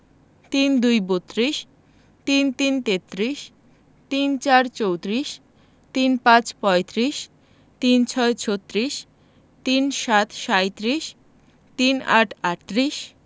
৩২ বত্ৰিশ ৩৩ তেত্রিশ ৩৪ চৌত্রিশ ৩৫ পঁয়ত্রিশ ৩৬ ছত্রিশ ৩৭ সাঁইত্রিশ ৩৮ আটত্রিশ